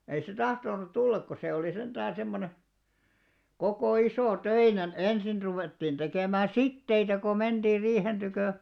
ei se tahtonut tulla kun se oli sentään semmoinen koko isotöinen ensin ruvettiin tekemään siteitä kun mentiin riihen tykö